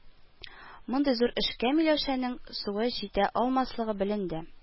Мондый зур эшкә Миләүшәнең суы җитә алмас-лыгы беленде